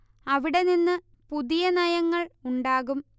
അവിടെ നിന്ന് പുതിയ നയങ്ങൾ ഉണ്ടാകും